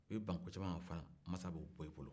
i bɛ ban ko caman ma fana maasa b'o bi bolo